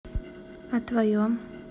а твое